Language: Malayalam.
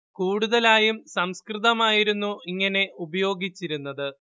കൂടുതലായും സംസ്കൃതമായിരുന്നു ഇങ്ങനെ ഉപയോഗിച്ചിരുന്നത്